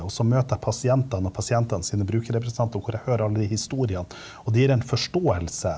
og så møter jeg pasientene og pasientene sine brukerrepresentanter og hvor jeg hører alle de historiene, og det gir en forståelse.